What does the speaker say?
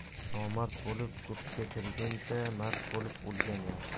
nomard bo'lib ko'pga kirguncha mard bo'lib o'lgan yaxshi